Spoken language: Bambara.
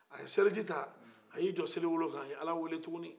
a ye seliji ta a y'i jɔ seliwolo a ye ala wele tuguni